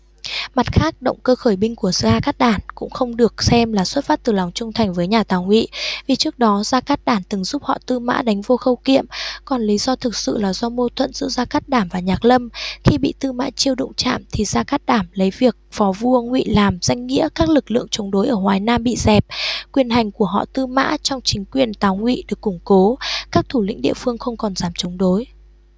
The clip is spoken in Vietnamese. mặt khác động cơ khởi binh của gia cát đản cũng không được xem là xuất phát từ lòng trung thành với nhà tào ngụy vì trước đó gia cát đản từng giúp họ tư mã đánh vô khâu kiệm còn lý do thực sự là do mâu thuẫn giữa gia cát đản và nhạc lâm khi bị tư mã chiêu đụng chạm thì gia cát đản lấy việc phò vua ngụy làm danh nghĩa các lực lượng chống đối ở hoài nam bị dẹp quyền hành của họ tư mã trong chính quyền tào ngụy được củng cố các thủ lĩnh địa phương không còn dám chống đối